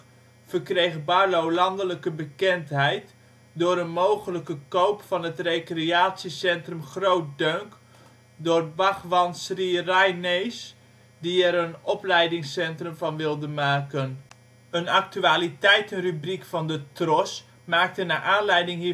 verkreeg Barlo landelijke bekendheid door een mogelijke koop van het recreatie centrum Groot Deunk door Bhagwan Sri Rajneesh die er een opleidingscentrum van wilden maken. Een Actualiteitenrubriek van de TROS maakte naar aanleiding